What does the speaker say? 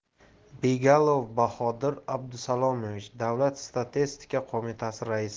begalov bahodir abdusalomovich davlat statistika qo'mitasi raisi